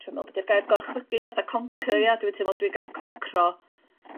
trio me'wl be' 'di'r gair gorchfygu fatha conquer ia dwi teimlo dwi gallu concro